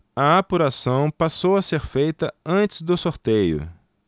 a apuração passou a ser feita antes do sorteio